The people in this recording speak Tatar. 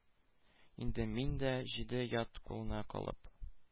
Инде мин дә, җиде ят кулына калып